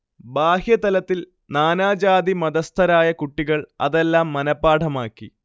ബാഹ്യതലത്തിൽ നാനാ ജാതി-മതസ്ഥരായ കുട്ടികൾ അതെല്ലാം മനപ്പാഠമാക്കി